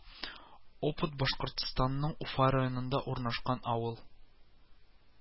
Опыт Башкортстанның Уфа районында урнашкан авыл